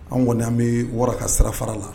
An kɔni an bɛ wara ka sira fara la